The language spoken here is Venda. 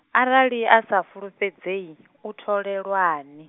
arali a sa fulufhedzei, u tholelwani.